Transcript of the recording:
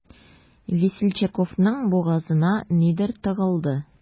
Весельчаковның бугазына нидер тыгылды.